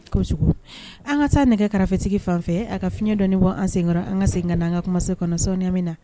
Kojug, an ka taa nɛgɛ karafetigi fan fɛ a ka fiɲɛ dɔɔnin bɔ an senkɔrɔ an ka sengin ka na an ka kumaso kɔnɔ sɔɔnin an bɛ na